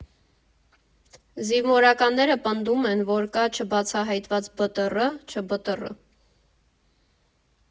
Զինվորականները պնդում են, որ կա չբացահայտված ԲՏՌ՝ ՉԲՏՌ։